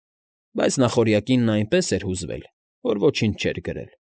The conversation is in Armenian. Բայց նախօրյակին նա այնպես էր հուզվել, որ ոչինչ չէր գրել։